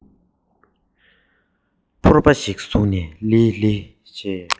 སྐྱོགས དཀར པོ ཞིག བཟུང བ དང